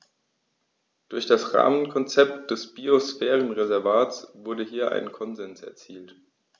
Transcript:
Durch das Rahmenkonzept des Biosphärenreservates wurde hier ein Konsens erzielt.